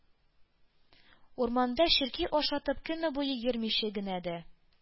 Урманда черки ашатып көне буе йөрмичә генә дә,